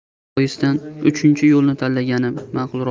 shu boisdan uchinchi yo'lni tanlagani maqulroq